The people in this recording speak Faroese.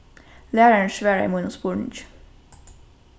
lærarin svaraði mínum spurningi